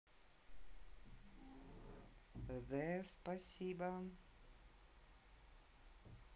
the спасибо